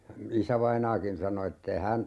isävainaakin sanoi että ei hän